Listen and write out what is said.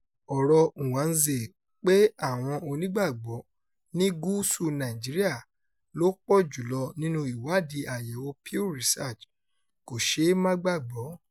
Ọ̀rọ̀ọ Nwanze pé àwọn Onígbàgbọ́ ní gúúsù Nàìjíríà ló pọ̀ jù lọ nínú ìwádìí àyẹ̀wò Pew Research kò ṣe é má gbàgbọ́.